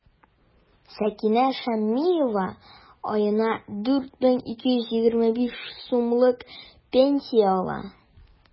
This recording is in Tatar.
Сәкинә Шәймиева аена 4 мең 225 сумлык пенсия ала.